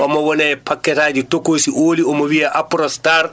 omo woni e paquet aji tokoosi ooli omo wiyee Aprostar